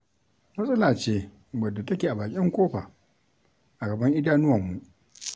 Matsala ce wadda take a bakin ƙofa, a gaban idanuwanmu.